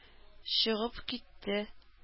Чыгып китте